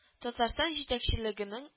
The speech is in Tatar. Татарстан җитәкчелегенең